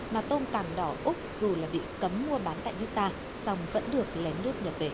mà tôm tàn đỏ úc dù là bị cấm mua bán tại nước ta dòng vẫn được lén lút nhập về